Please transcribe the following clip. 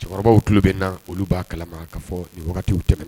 Cɛkɔrɔbaw tulo bɛ na olu b'a kala ka fɔw tɛmɛn